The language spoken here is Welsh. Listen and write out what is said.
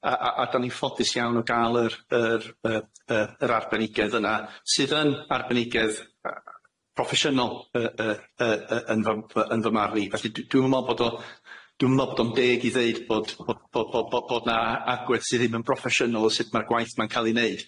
A- a- a- a- a- da ni'n ffodus iawn o ga'l yr yr yy yr arbenigedd yna sydd yn arbenigedd a- a- proffesiynol yy yy yy yy yn fy- fy- yn fy marn i. Felly d- dwi'm yn me'wl bod o dwi'm yn me'wl bod o'n deg i ddeud bod bod bod bo- bo- bod na a- agwedd sydd ddim yn broffesiynol o sut ma'r gwaith ma'n ca'l i neud.